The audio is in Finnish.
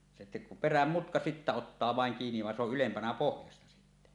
se perän mutka sitten ottaa vain kiinni vaan se on ylempänä pohjasta sitten